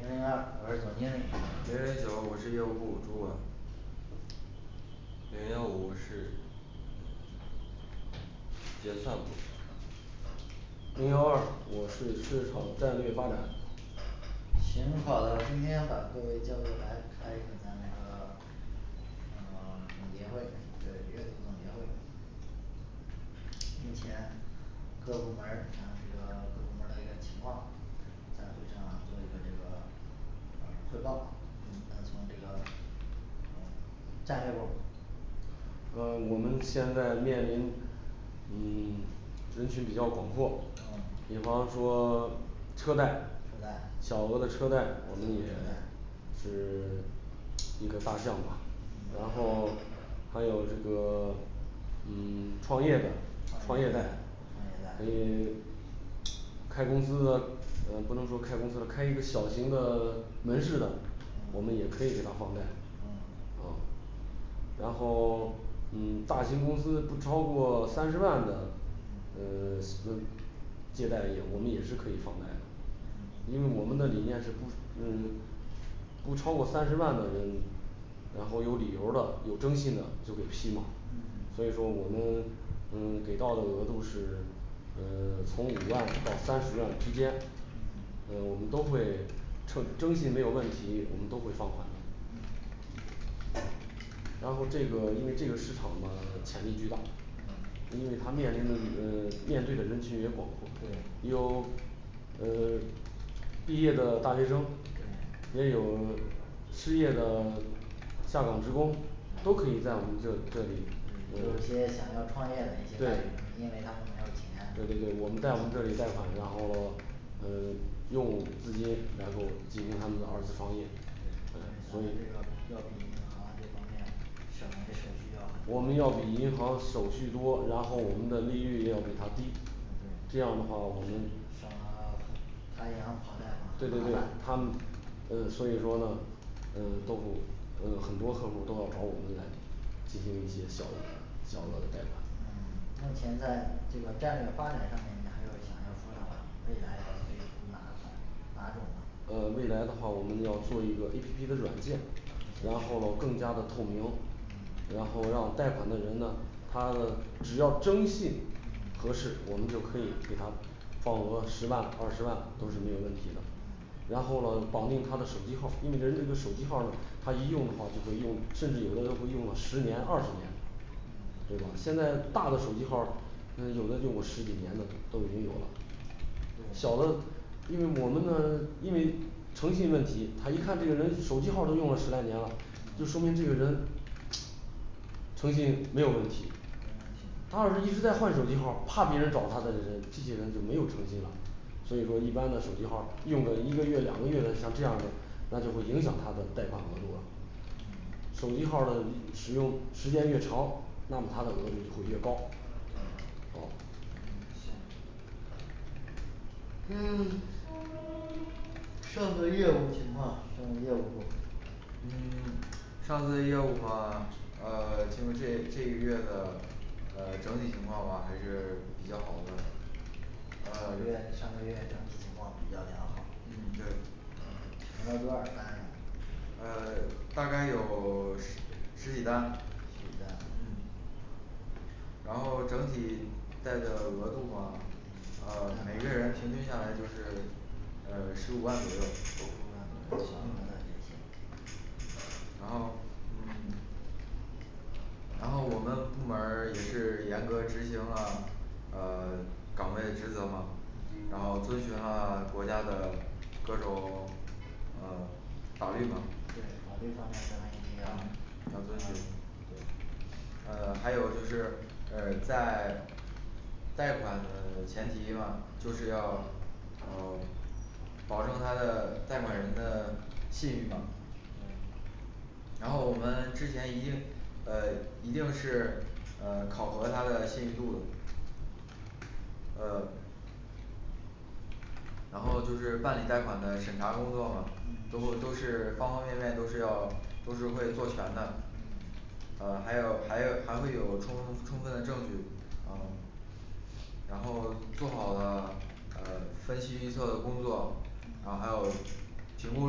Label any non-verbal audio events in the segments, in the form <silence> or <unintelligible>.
零零二，我是总经理零零九我是业务部主管零幺五我是。结算部。零幺二，我是市场战略发展。行，好的，今天把各位叫过来开一个咱那个 <silence> 啊 <silence> 总结会呃月度总结会。目前。各部门儿啊这个 <silence> 各部门儿的一个情况。在会上做一个这个嗯汇报，咱从这个嗯战略部儿。嗯我们现在面临，嗯 <silence> 人群比较广阔嗯比方说 <silence> 车贷车贷小额的车贷小额车，我们也贷 <silence> 是 <silence> 一个大项目啊嗯然后还有这个 <silence> 嗯 <silence> 创业的，创业创业贷创业贷你 <silence> 开公司的，呃不能说开公司的，开一个小型的门市的，我们我嗯们也可以给他放贷哦然后， <silence> 嗯大型公司不超过三十万的嗯呃 <silence> 什么借贷业务我们也是可以放贷的嗯因为我们的理念是不，嗯 <silence> 不超过三十万的人，然后有理由儿的有征信的就给批嘛，嗯所以说我们嗯给到的额度是呃 <silence> 从五万到三十万之间嗯呃我们都会称征信没有问题，我们都会放款的。嗯。然后这个，因为这个市场的潜力巨大。嗯因为它面临的呃面对的人群也广阔，对有呃，毕业的大学生对也有失业的下岗职工都可以在我们这这里对也有一对些想要创业的人对，因为他们没有钱对对对，我们在我们这里贷款，然后嗯用资金然后进行他们的二次创业。所以咱们这个要比银行这方面想省这个手续呀我们要比银行手续多，然后我们的利率要比它低。对这样的话我们发好的银行卡对对对贷，款他们，呃所以说呢。呃呃多户儿很多客户儿都要找我们来进行一些小额，小额的贷嗯款。嗯 <silence> 目前在这个战略发展上面你还有想要说的吗未来大的哪种呃未来的话，我们要做一个A P P的软件目前。然后更加的透明。嗯。然后让贷款的人呢，他呢只要征信嗯合适，我们就可以给他保额十万二十万都是没有问题的然后咯绑定他的手机号儿，因为人这个手机号他一用的话就可以用，甚至有的用户用了十年二十年。嗯对吧现在大的手机号儿有的用过十几年的都已经有了。对小的因为我们呢因为诚信问题，他一看这个人手机号儿都用了十来年了，就说明这个人。诚信没有问题，没问题他要是一直在换手机号儿，怕别人找他的人，这些人就没有诚信了，所以说一般的手机号儿用个一个月两个月的，像这样的，那就会影响他的贷款额度了嗯手机号儿的使用时间越长，那么它的额度就会越高，嗯好嗯，行。上个业务情况上个业务部。嗯 <silence> 上次业务吧啊经过这这一月的啊整体情况吧还是比较好的。啊因为上个月整体情况比较良好嗯对停了多少单啊？啊大概有十十几单十几单。嗯然后整体贷的额度吧，啊每个人平均下来就是，呃十五万左右十五万左右，相关的这些。然后嗯。 <silence> 然后我们部门儿也是严格执行了啊岗位职责嘛，然后遵循了国家的各种啊法律吧。对法律方面咱们一定要要呃遵 <silence> 循对啊还有就是啊在贷款的前提嘛，就是要啊保证他的贷款人的信誉嘛。然后我们之前已经呃一定是呃考核他的信誉度的。呃。然后就是办理贷款的审查工作嘛，嗯都都是方方面面都是要，都是会做全的嗯啊还有还有还会有充充分的证据，嗯。然后做好了啊分析预测的工作嗯然后还有评估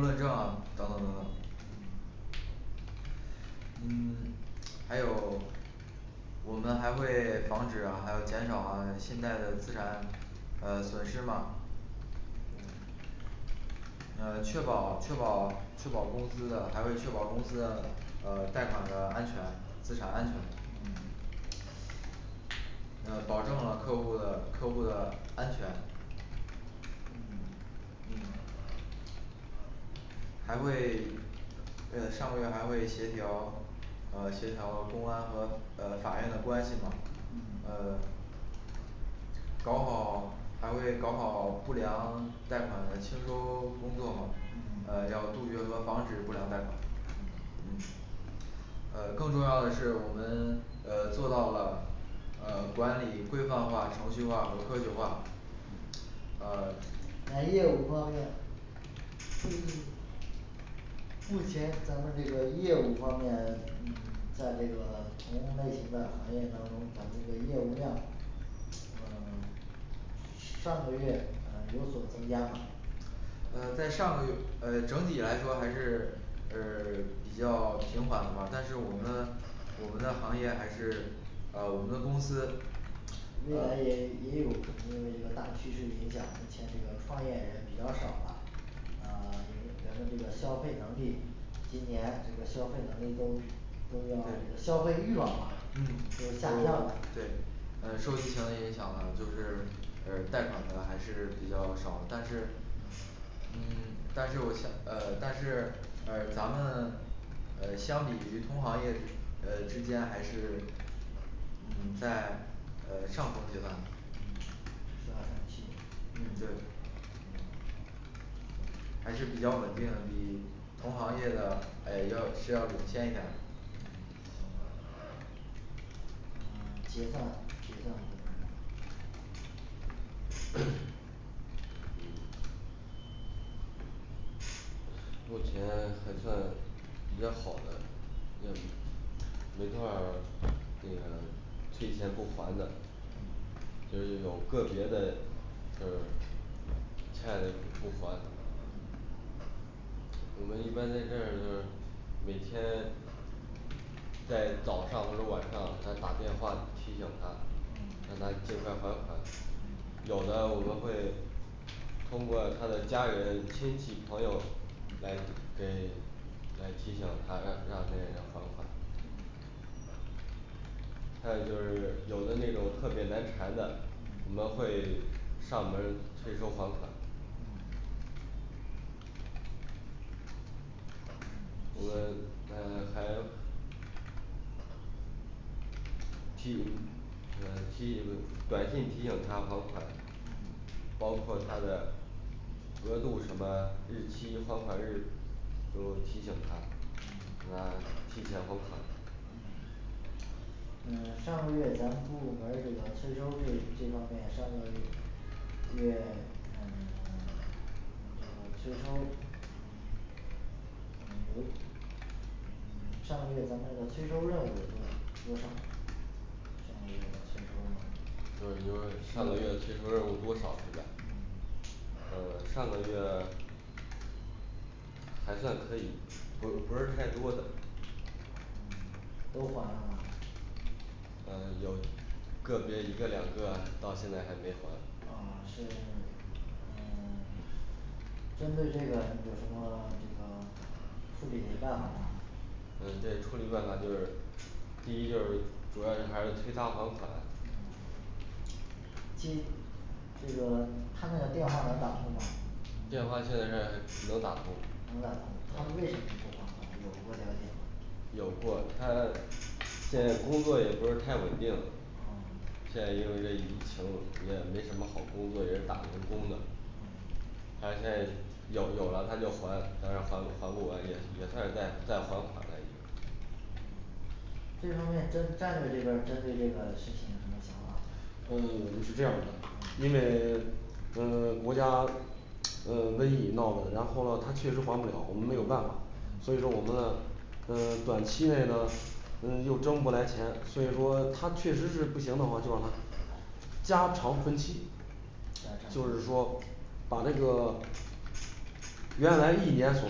论证等等等等嗯嗯。 <silence> 还有。我们还会防止啊还有减少啊信贷的资产啊损失嘛。啊确保确保确保公司的还为确保公司啊贷款的安全，资产安全嗯呃保证了客户的客户的安全。嗯。嗯还会呃上个月还会协调呃协调公安和法院的关系嘛嗯呃搞好还会搞好不良贷款的清收工作嘛嗯啊要杜绝和防止不良贷款嗯呃更重要的是我们呃做到了呃管理规范化程序化和科学化。啊。在业务方面。最近目前咱们这个业务方面，在这个同类型的行业当中，咱们的业务量。嗯。上个月嗯有所增加嘛。呃在上个月呃整体来说还是呃比较平缓的，但是我们我们的行业还是啊我们的公司。未来也也有可能因为这个大趋势影响，目前这个创业人比较少。啊人人们这个消费能力，今年这个消费能力都都要这对个消费欲望吧嗯都是下降的对啊受疫情的影响呢，就是呃贷款的还是比较少，但是。嗯但是我想呃但是呃咱们呃相比于同行业呃之间还是嗯在呃上个阶段，嗯上升期嗯对嗯还是比较稳定的，比同行业的哎要是要领先一点。嗯行嗯结算部，结算部门儿。<crosstalk> 嗯目前还算比较好的，要。没多少那个退钱不还的嗯就是有个别的呃欠的不还嗯我们一般在这儿，每天在早上或者晚上给他打电话提醒他嗯让他尽快还款，嗯有的我们会通过他的家人亲戚朋友来给来提醒他，让让那人还款。还有就是有的那种特别难缠的，嗯我们会上门儿催收还款嗯我们嗯还。去嗯提短信提醒他还款，嗯包括他的额度什么日期还款日都提醒他，嗯让他提前还款嗯嗯上个月咱们部门儿这个催收这这方面，上个月嗯。 <silence> 这催收。嗯上个月咱们这个催收任务有多久多少呢？上个月的催收任务嗯就是因为上个月催收任务多少是呗嗯呃上个月还算可以，不是不是太多的。嗯，都还了吗？嗯，有个别一个两个到现在还没完哦是 <silence> 嗯。 <silence> 针对这个你有什么这个处理的办法嘛嗯这处理办法就是第一主要还是催他还款。接那个他那个电话能打通吗电话现在能打通。能打通，他们为什么不还款？有过了解吗有过他现在工作也不是太稳定，哦现在因为这疫情也没什么好工作，也是打工的嗯他现在有有了，他就还，当然他还不完，也也算是在在还款了已经。这方面战战略这边儿针对这个事情有什么想法？呃我们是这样的，因为呃国家呃瘟疫闹的，然后咯他确实还不了，我们没有办法，所以说我们呢，嗯短期内呢呃又挣不来钱，所以说他确实是不行的话，就让他加长分期加长就是说把那个原来一年所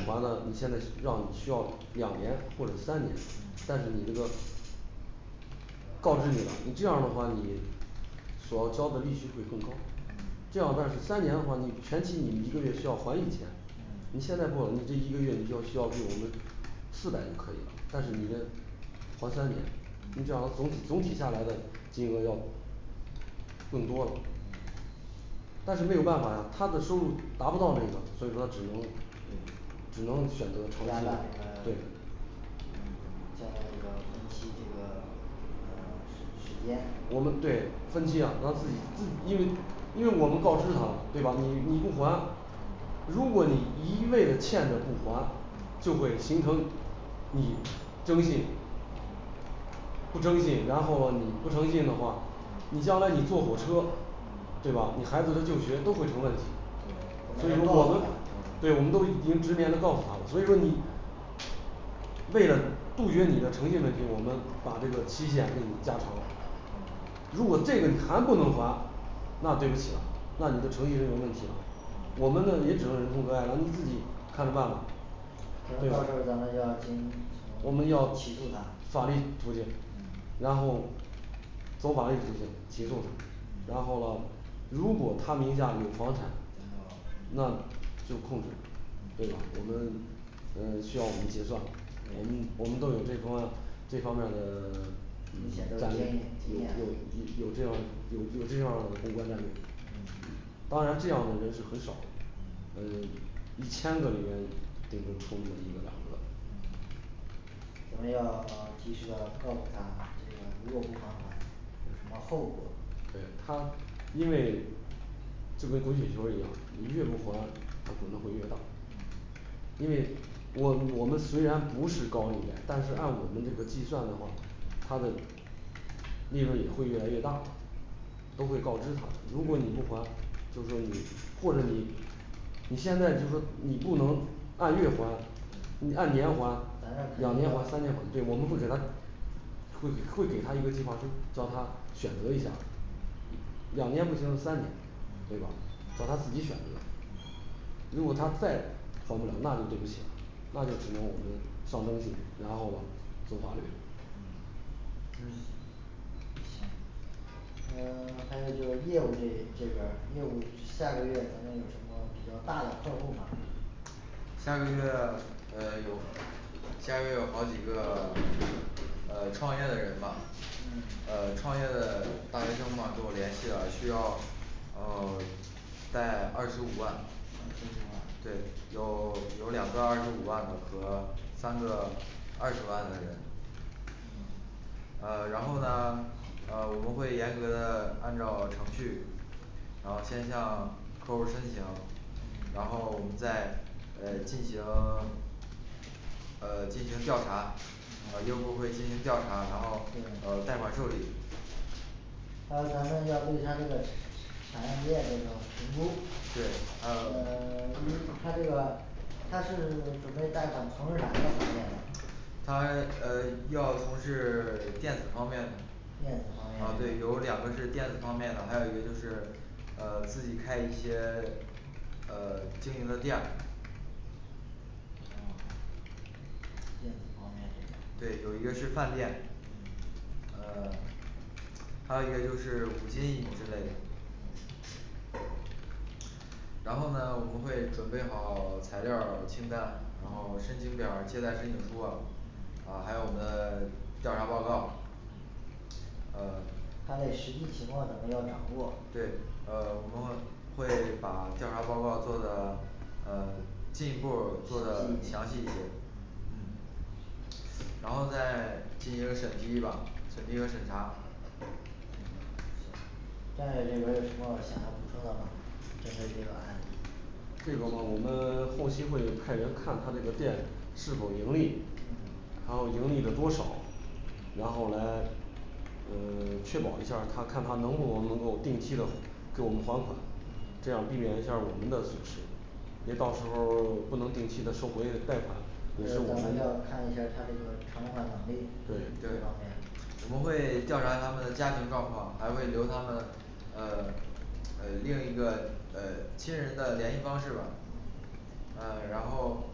还的，你现在让你需要两年或者三年嗯但是你这个告知你了，你这样的话你所交的利息会更高，嗯这样但是三年的话，你前期你一个月需要还一千，嗯你现在过了你这一个月你就要需要给我们四百就可以了，但是你的头三年你嗯只要总体总体下来的金额要更多嗯但是没有办法呀，他的收入达不到那个，所以说只能只能对选择长加期的大这个对将来这个分期这个啊时时间。我们对，分期呀让他自己，自己 <unintelligible> 因为因为我们告知他对吧？你不还，嗯如果你一味的欠着不还嗯就会形成你征信嗯不征信，然后你不诚信的话嗯你将来你坐火车，嗯对吧？你孩子的就学都会成问题，对咱所以说们告我诉们他对我们都已经直接的告诉他了，所以说你为了杜绝你的诚信问题，我们把这个期限给你加长，嗯如果这个你还不能还，那对不起了，那你的诚意是有问题了，嗯我们呢也只能忍痛割爱了，你自己看着办吧可对能到时候咱们要经我们要从起诉他。法律途径嗯然后走法律途径起诉他，嗯然后喽如果他名下有房产那就控制。对，我们嗯需要我们结算，我们我们都有这方这方面儿的 <silence> 目前都有咱一们定的经验有有有这样儿有有这样儿的宏观战略，嗯当然这样的人是很少的，行嗯呃一千个里面顶多出那么一个两个咱们要及时的告诉他，这个如果不还款有什么后果。对他因为就跟滚雪球儿一样，你越不还他滚的会越大。因为我们虽然不是高利贷，但是按我们计算的话，他的利润也会越来越大，都会告知他，如果你不还就是说你或者你你现在就是说你不能按月还，你按年还两年还三年还，对，我们会给他会给他一个计划书，叫他选择一下。两年不行三年，对吧？只要他自己选择如果他再还不了，那就对不起了，那就只能我们上征信，然后走法律嗯行嗯还有就是业务这这边业务下个月咱们有什么比较大的客户儿吗？下个月呃有下个月有好几个呃创业的人吧嗯呃创业的大学生吧跟我联系了，需要呃贷二十五万，二十五万对，有有两个二十五万的和三个二十万的人嗯呃然后呢啊我们会严格的按照程序然后先向客户儿申请，然后我们再呃进行 <silence> 呃进行调查嗯呃业务部会进行调查对然后贷款受理还有咱们要对他这个产业链这种评估对还嗯有因为他这个他是准备贷款从事哪个行业他呃要从事 <silence> 电子方面的，电子方面的哦对，有两个是电子方面的，还有一个就是呃自己开一些呃经营的店。哦电子方面的对有一个是饭店嗯呃还有一个就是五金一之类的然后呢我们会准备好材料儿清单，然后申请表儿，接待申请书啊嗯啊还有我们的调查报告呃他的实际情况咱们要掌握对呃我们会把调查报告做的呃进一步儿做的呃详细详细一些嗯然后再进行审批吧审批和审查。嗯行再有这边有什么想要补充的吗针对这个案例这种我们后期会派人看他这个店是否盈利嗯还有盈利的多少嗯然后来呃 <silence> 确保一下儿他看他能不能够定期的给我们还款，嗯这样避免一下儿我们的损失。嗯别到时候儿不能定期的收回贷款，也还是有我咱们们的要看一下儿它这个偿还能力，对这方面我们会调查他们的家庭状况，还会留他们呃呃另一个呃亲人的联系方式吧。呃然后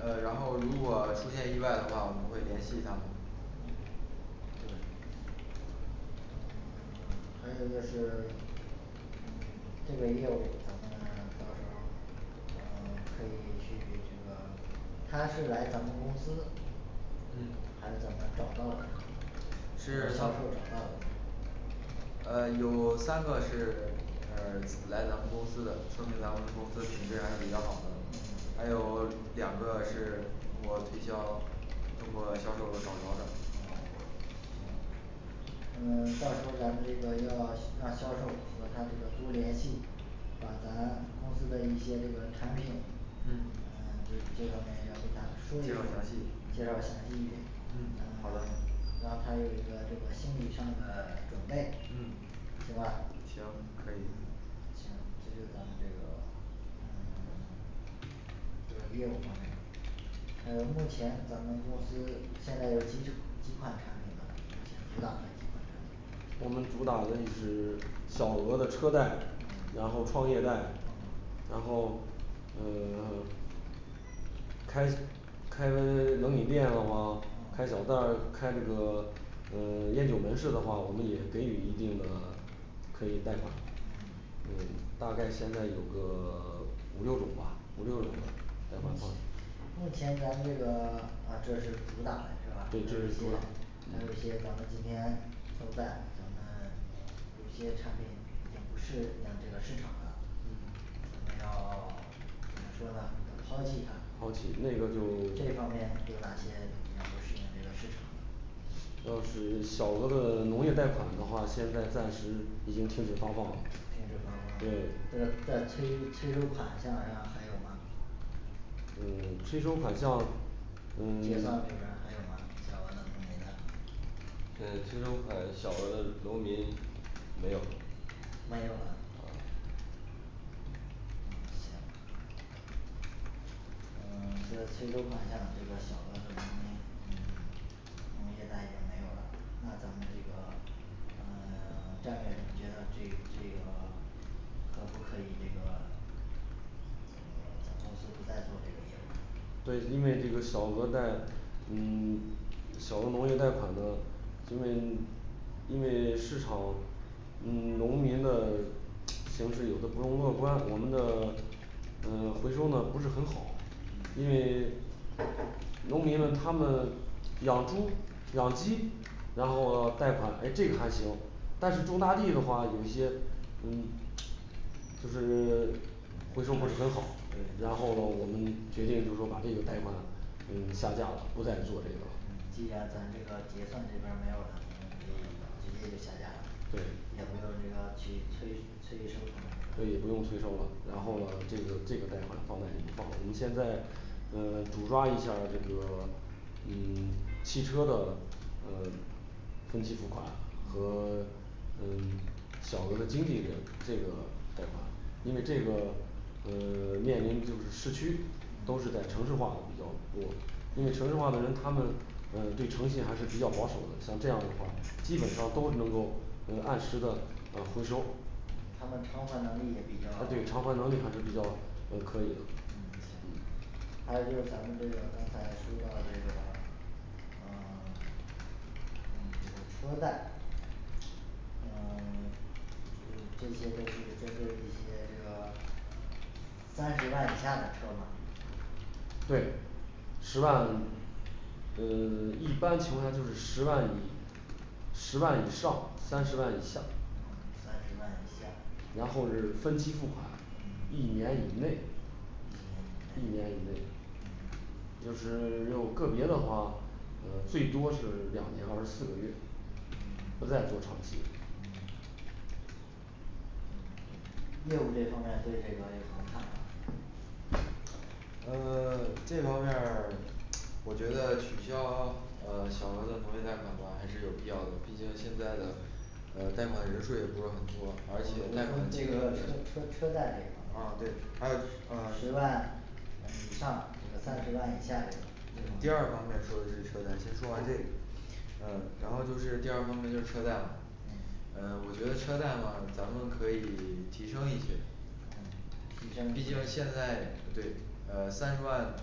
呃然后如果出现意外的话，我们会联系他们。嗯对嗯 <silence> 还有一个是嗯 <silence> 这个业务咱们到时候嗯可以去这个他是来咱们公司嗯还是怎么找到的咱们销售是找到的吗呃有三个是嗯来咱们公司的，说明咱们公司品质还是比较好的。嗯还有两个是通过推销通过销售找着的哦行嗯 <silence> 到时候咱们这个要让销售和他这个多联系把咱公司的一些这个产品，嗯嗯这这方面要跟他说一介绍说详细介绍详细一点嗯嗯好的 <silence> 让他有一个这个心理上的准备嗯行吧行可以行，这就是咱们这个嗯 <silence> 对业务方面呃目前咱们公司现在有几宠 <unintelligible> 几款产品我们主打的也是小额的车贷嗯然后创业贷嗯然后嗯 <silence> 开开冷饮店的话嗯开小店儿开这个嗯烟酒门市的话，我们也给予一定的可以贷款嗯嗯大概现在有个 <silence> 五六种吧五六种贷款方式目前咱们这个这是主打嘞是吧？对这还有一些是主打问还有你一些咱们今天都在咱们有些产品已经不适应这个市场了嗯咱要 <silence> 怎么说呢要抛弃它抛弃那个就 <silence> 这方面有哪些嗯不适应这个市场的要是小额的农业贷款的话，现在暂时已经停止发放了停止发放了对现在再再催催收款下来了，还有吗嗯催收款项嗯结算这 <silence> 边儿还有吗？小额的金额贷款现在支出款小额的农民没有没有了啊啊行呃 <silence> 在催收款项这个小额的农民嗯农业贷也没有了那咱们这个嗯呀 <silence> 战略总结的这这个可不可以这个怎么总公司不再做这个业务了对，因为这个小额贷嗯 <silence> 小额农业贷款的因为嗯因为市场嗯农民的形式有的不容乐观，我们的呃回收呢不是很好，嗯因为农民们他们养猪、养鸡，然后贷款诶这个还行，但是种大地的话有一些嗯就是 <silence> 回收不是很好，然后我们决定就是说把这个嗯贷款下架了，不再做这个了嗯既然咱这个结算这边儿没有了，直接就下架了。对也没有那个去催催收他们了对也不用催收了，然后呢这个这个贷款放贷就不放了，我们现在嗯嗯主抓一下儿这个 <silence> 嗯 <silence> 汽车的呃分期付款和 <silence> 嗯小额的经济这个贷款因为这个呃 <silence> 面临就是市区嗯都是在城市化的比较多因为城市化的人他们嗯对诚信还是比较保守的，像这样的话基本上都能够嗯按时的啊回收他们偿还能力也比较啊对，偿还能力还是比较呃可以的嗯行嗯还有就是咱们这个刚才说到这个呃 <silence> 嗯这个车贷嗯 <silence> 是这些都是针对一些这个三十万以下的车嘛对十万呃 <silence> 一般情况下就是十万以十万以上三十万以下嗯三十万以下嗯然后是分期付款嗯一年以内行一年以内嗯就是有个别的话呃最多是两年二十四个月嗯不再做长期嗯业务这方面对这个有什么看法吗呃 <silence> 这方面儿我觉得取消呃小额的农业贷款呢还是有必要的，毕竟现在的呃贷款人数儿也不是很多而按且贷说款这个车车车贷这块儿十万哦对还有嗯十万嗯以上这个三十万以下这个这种第二方面说的是车贷先说完这个嗯然后就是第二方面就是车贷嘛呃我觉得车贷嘛咱们可以提升一些嗯提升毕竟现在对呃三十万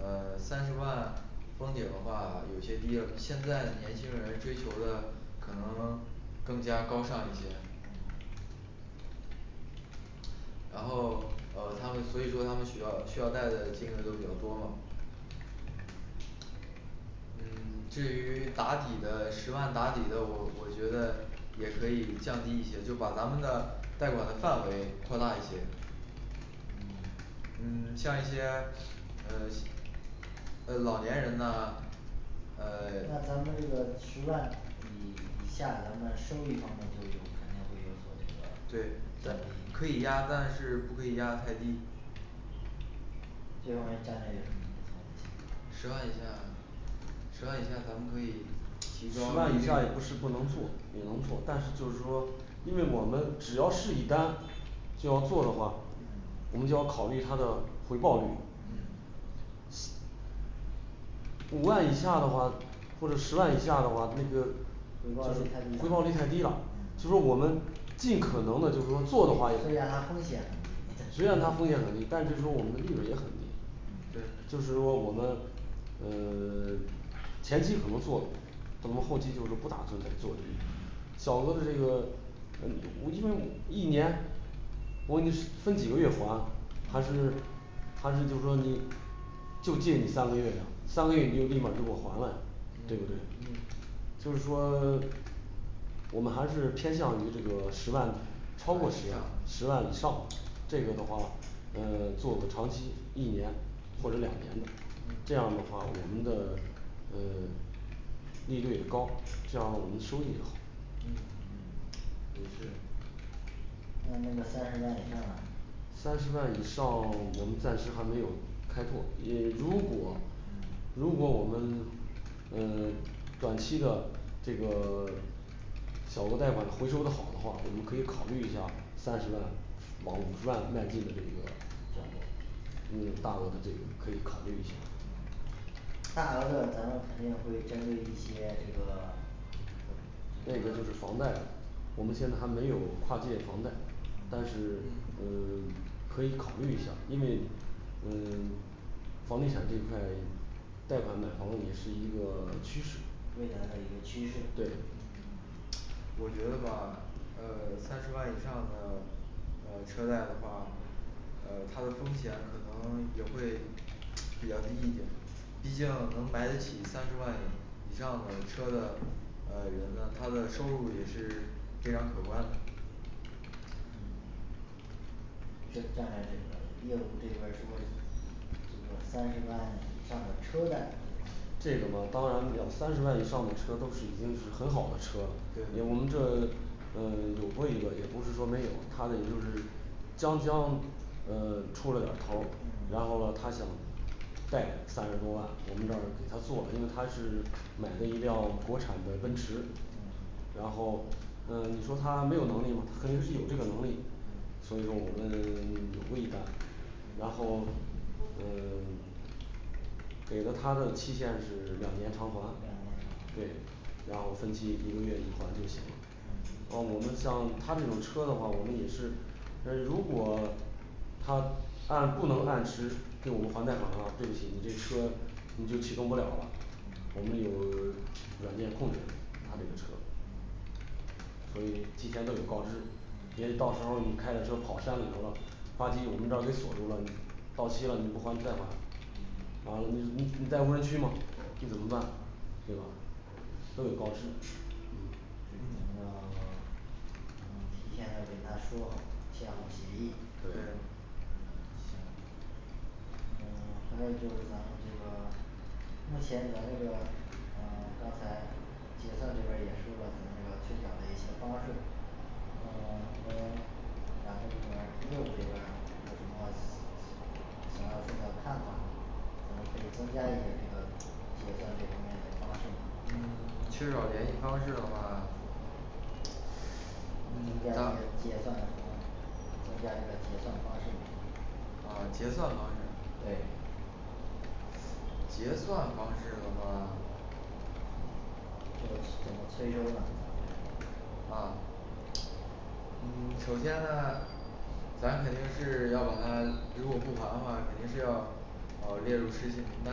呃三十万封顶的话有些低了，现在年轻人追求的可能更加高尚一些嗯然后呃他们所以说他们需要需要贷的金额都比较多嘛嗯 <silence> 至于打底的十万打底的，我我觉得也可以降低一些，就把咱们的贷款的范围扩大一些。嗯嗯像一些呃呃老年人呐呃 <silence> 那咱们这个十万以以下，咱们收益方面就有肯定会有所这个降低呃对，可以压，但是不可以压太低这方面战略怎么想的十万以下十万以下咱们可以提十升万一些以上也不是不能做也能做，但是就是说因为我们只要是一单就要做的话，我们就要考虑它的回报率嗯嗯戏五万以下的话或者十万以下的话，那个回报率太低了回报率太低了嗯就说我们尽可能的就是说做的话也可以，虽然他风险很低虽然它风险很低，但是说我们的利润也很低嗯对就是说我们呃 <silence> 前期可能做，等我们后期就是不打算再做这个。小额的这个呃因为我一年我给你分几个月还还嗯是还是就是说你就借你三个月的，三个月你就立马儿就给我还了你这对不对嗯就是说 <silence> 我们还是偏向于这个十万超以过十上万十万以上，这个的话呃做个长期一年或者两年的，这样的话我们的呃利率也高，这样我们的收益也好嗯嗯也是那那个三十万一下呢三十万以上我们暂时还没有开拓，一如果嗯如果我们呃短期的这个小额贷款回收的好的话，我们可以考虑一下三十万往五十万迈进的这一个项目嗯大额的这个可以考虑一下大额的咱们肯定会针对一些这个这个就是房贷我们现在还没有跨界房贷嗯但是嗯 <silence> 可以考虑一下儿，因为嗯 <silence> 房地产这块贷款买房也是一个趋势未来的一个趋势对嗯我觉得吧呃三十万以上的呃车贷的话呃它的风险可能也会比较低一点毕竟能买得起三十万以上的车的呃人呢，他的收入也是非常可观的这 <unintelligible> 战略呃业务这边儿说这个三十万以上的车贷这方面对这个嘛当然两三十万以上的车都是已经是很好的车了，因为我们这呃有过一个也不是说没有他的也就是将将呃出了点儿头儿嗯然后咯他想贷三十多万，我们这儿给它做了，因为他是买的一辆国产的奔驰嗯然后嗯你说他没有能力吧，肯定是有这个能力嗯所以说我们 <silence> 也不一般然后嗯 <silence> 给了他的期限是两年偿还。两年偿还对。然后分期一个月一还就行了嗯哦我们像他这种车的话我们也是呃如果他按不能按时给我们还贷款的话，对不起你这车你就启动不了了嗯嗯我们有软件控制他这个车嗯所以提前都有告知，嗯别到时候儿你开着车跑山里头了，呱唧我们到给你锁住咯你到期了你不还贷款嗯完了你你你在无人区嘛你怎么办对吧都有告知嗯那嗯到 <silence> 嗯提前要给他说了签好协议对对嗯行嗯还有就是咱们这个目前咱们这个呃刚才结算这边儿也说了，可能要去讲的一些方式呃 <silence> 我们哪个部门儿业务这边儿有什么想要说的看法然后可以增加这个结算这方面的方式嗯缺少联系方式的话嗯结算方式增加这个结算方式的话啊结算方式对结算方式的话就怎么催收呢咱们这种啊嗯首先呢咱肯定是要把他如果不还的话，肯定是要哦列入失信名单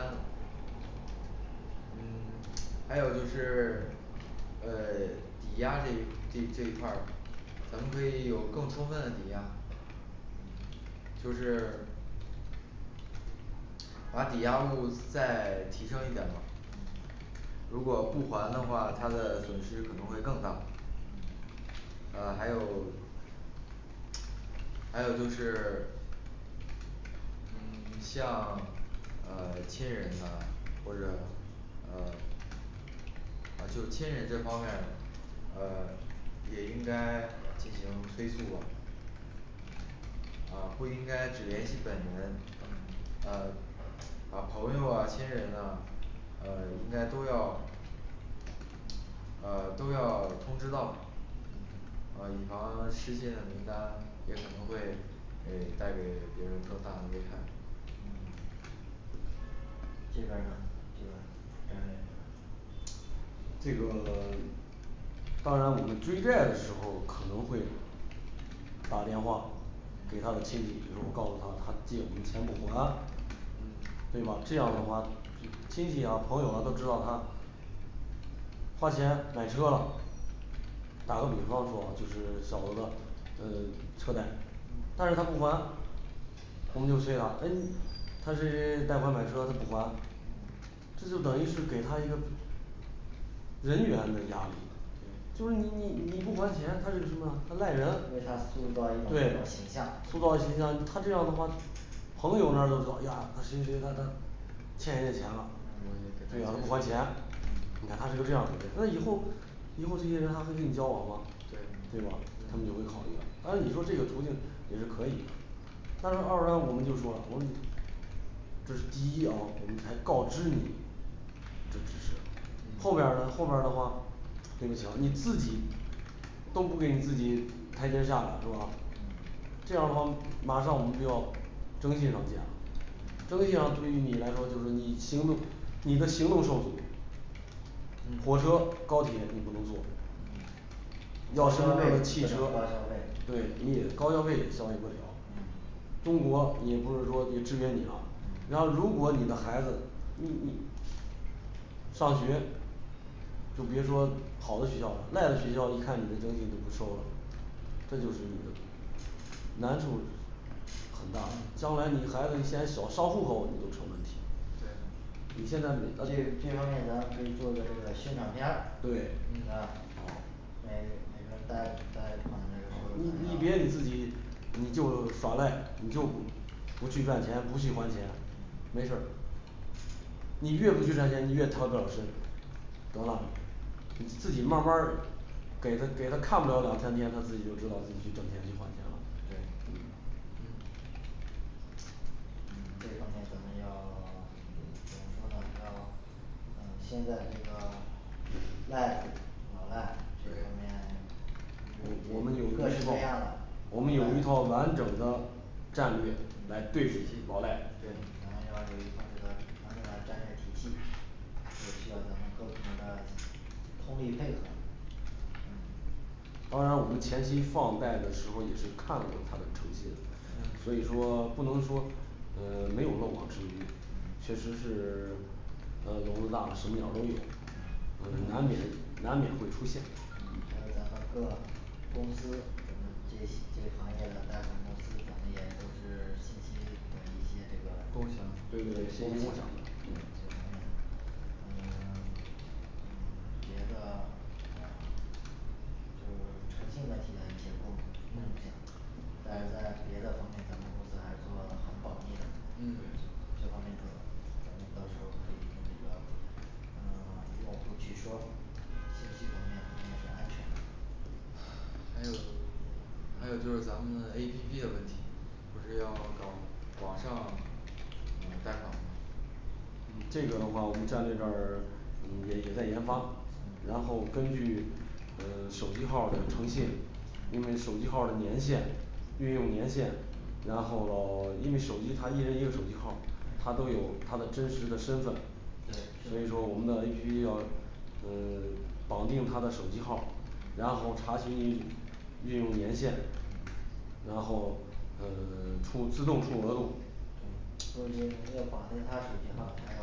的嗯 <silence> 还有就是呃 <silence> 抵押这一这一这一块儿咱们可以有更充分的抵押嗯就是把抵押物再提升一点儿嘛嗯如果不还的话，他的损失可能会更大嗯呃还有还有就是嗯 <silence> 像呃亲人的或者呃呃就亲人这方面儿的呃也应该进行催促吧啊不应该只联系本人嗯啊啊朋友啊亲人呐呃应该都要呃都要通知到嗯啊以防失信的名单也可能会给带给别人更大的危害。嗯这边儿呢这边儿战略这边儿这个 <silence> 当然我们追债的时候可能会打电话给他的亲戚，比如说我告诉他他借我们钱不还，嗯对吧？ 这样的话就亲戚呀朋友啊都知道他花钱买车了打个比方说啊就是小额的嗯车贷嗯但是他不还我们就催他诶他这人贷款买车他不还，嗯这就等于是给他一个人员的压力，就是你你你你不还钱他是什么啊？他赖人，对为他塑造一种对形象塑造形象，他这样的话朋友那儿都知道呀谁谁他他欠人家钱了嗯我也给非要他不还钱嗯你看他是个这样的人，那以后以后这些人还会跟你交往吗？对嗯对吧？对他们就会考虑了，但是你说这个途径也是可以的但是我们就说我们这是第一啊，我们才告知你这这这嗯后边儿的后边儿的话对不起了你自己都不给你自己台阶儿下了是吧嗯这样儿的话马上我们就要征信上见了嗯征信上对于你来说就是你行你的行动受阻嗯火车高铁你不能坐嗯要高消消费费个这汽就是车高消费对你也高消费也消费不了嗯中国也不是说就制约你了，嗯然后如果你的孩子你你上学就别说好的学校了，赖的学校一看你的经济就不收了，这就是你的难处很大，将来你这孩子你现在小上户口你都成问题对你现在这这方面你能可以做个这个宣传片儿对那个那那个儿待待我们这儿的时你候你别你自己你就耍赖你就不不去赚钱，不去还钱。嗯没事你越不去赚钱，你越逃不了身得了你自己慢慢儿的给他给他看不着，两三天他自己就知道自己去挣钱去还钱了对嗯嗯这方面咱们要 <silence> 各方面要嗯现在这个赖老赖这方对面对我们有各式各样的我们有一套完整的战略来对付老赖这种咱们要履行这个行业的战略体系这个需要咱们各部门儿的通力配合嗯当然我们前期放贷的时候也是看过他的诚信，嗯嗯所以说不能说呃没有漏网之鱼，嗯确实是 <silence> 呃笼子大了，什么鸟儿都有，呃难免难免会出现嗯还有咱们各公司，我们这这行业的大部分公司我们也都是是信息的一些这个嗯我们共享对对对信息共享呃咱们嗯 <silence> 嗯觉得就是诚信问题的一些功能，就是这嗯样。但是在别的方面咱们公司还是说很保密的嗯对，这方面的。咱们到时候可以跟这个呃用户儿去说，信息方面应该是安全的还有还有就是咱们的A P P的问题不是要搞网上嗯贷款嘛嗯这个的话我们战略这儿也也在研发嗯然后根据呃手机号儿的诚信因嗯为手机号儿的年限运用年限，然后喽因为手机他一人一个手机号儿，他都有他的真实的身份对所以说我们的A P P要呃 <silence> 绑定他的手机号儿，然后查询运运用年限嗯行然后呃 <silence> 出自动出额度对不仅要绑定他手机号儿，还有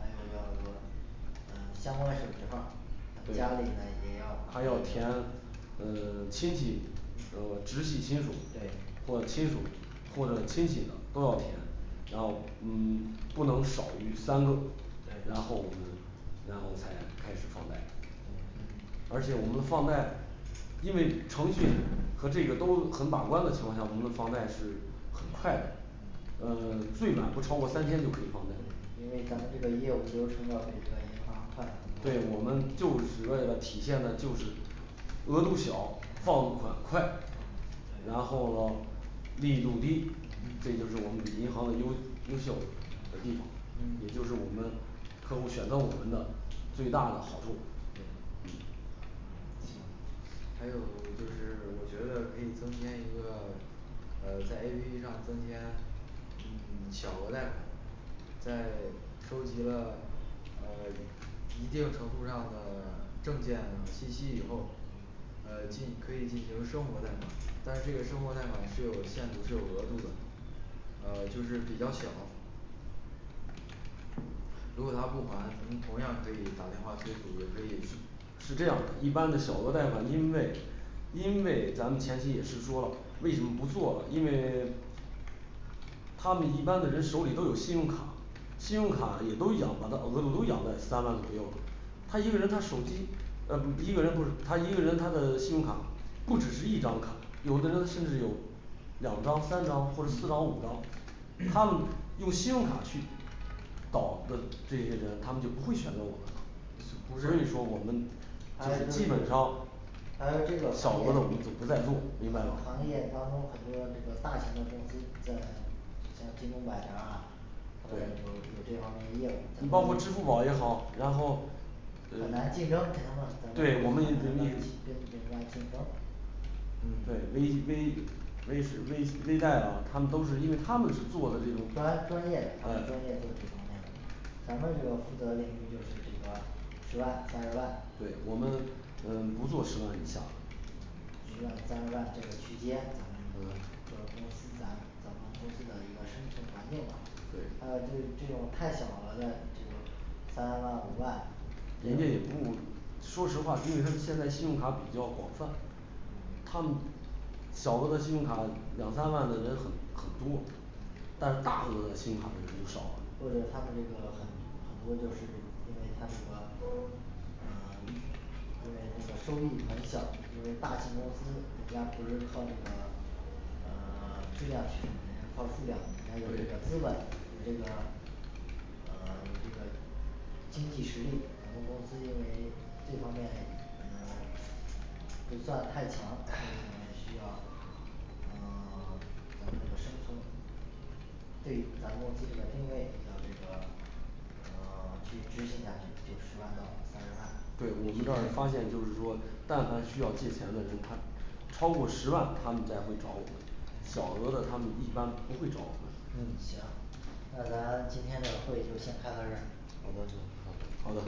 还有要做相关审批号儿像家对里的也要把还要填呃亲戚呃直系亲属对或亲属或者亲戚的都要填然后嗯 <silence> 不能少于三个，对然后我们然后才开始放贷对嗯而且我们放贷因为程序和这个都很把关的情况下，我们的放贷是很快的，嗯嗯最晚不超过三天就可以放贷，对因为咱们这个业务流程要比这个银行快很多对我们就是为了体现的就是额度小嗯放款快嗯然后喽力度低嗯这就是我们比银行的优优秀嗯的地方嗯也就是我们客户选择我们的最大的好处嗯嗯嗯行还有就是我觉得可以增添一个呃在A P P上增添小额贷款在收集了呃 <silence> 一定程度上的证件信息以后嗯呃进可以进行生活贷款，但是这个生活贷款是有限度是有额度的，呃就是比较小如果他不还您同样可以打电话催促也可以是这样的，一般的小额贷款，因为因为咱们前期也是说为什么不做了，因为他们一般的人手里都有信用卡信用卡也都养把它额度都养在三万左右他一个人他手机呃一个人不是他一个人，他的信用卡不只是一张卡，有的人甚至有两张三张或者四张五张，他们用信用卡去倒的这些人他们就不会选择我们不至于说我们还有就是基本上还有这种小额的我们就不再做明白吗行业当中很多这个大型的公司在像京东百强啊。有对有这方面的业务你包括支付宝也好，然后本来竞争给他们呃跟人家竞争对我们也不同意嗯对，微微微是微微贷嘛他们都是因为他们是做的这种呃专专业的专哎业做这方面的咱们这个负责的领域。就是这个十万三十万对我们嗯不做十万以下嗯十万三十万这个区间这个公司是咱公司的一个生存环境吧对还有这这种太小了的就三万五万人家也不说实话，因为他现在信用卡比较广泛嗯他们小额的信用卡两三万的人很很多嗯但大额的信用卡的人就少了或者他们这个很很多就是因为他这个呃 <silence> 因为这个收益很小，因为大型公司人家不是靠这个呃 <silence> 质量提升，要靠数量，还有这个资本，有这个呃有这个经济实力咱们公司因为这方面可能不算太强，所以咱们需要呃 <silence> 我们的身份对咱公司这个定位要这个呃 <silence> 去执行下去就十万到三十对万，我们这儿发现就是说但凡需要借钱的人，他超过十万他们才会找我们，嗯嗯行那咱今天这个会就先开到这儿好的好好的